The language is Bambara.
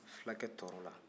fulakɛ tɔɔrɔ la